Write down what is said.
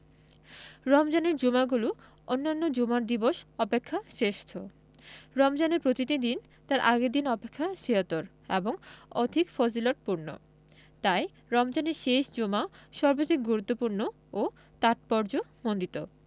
রমজানের জুমাগুলো অন্যান্য জুমার দিবস অপেক্ষা শ্রেষ্ঠ রমজানের প্রতিটি দিন তার আগের দিন অপেক্ষা শ্রেয়তর এবং অধিক ফজিলতপূর্ণ তাই রমজানের শেষ জুমা সর্বাধিক গুরুত্বপূর্ণ ও তাৎপর্যমণ্ডিত